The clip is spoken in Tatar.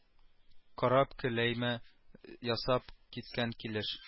Карап келәймә ясап киткән килеш